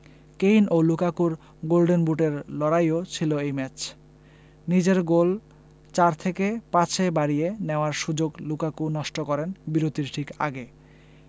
Kane ও লুকাকুর golden বুটের লড়াইও ছিল এই ম্যাচ নিজের গোল চার থেকে পাঁচে বাড়িয়ে নেওয়ার সুযোগ লুকাকু নষ্ট করেন বিরতির ঠিক আগে